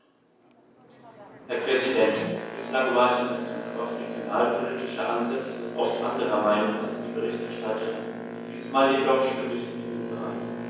Herr Präsident, bislang war ich in bezug auf regionalpolitische Ansätze oft anderer Meinung als die Berichterstatterin, diesmal jedoch stimme ich mit ihr überein.